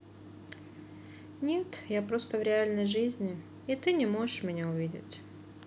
нет я просто в реальной жизни и ты не можешь меня увидеть